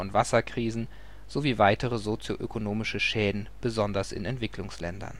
Wasserkrisen sowie weitere sozioökonomische Schäden, besonders in Entwicklungsländern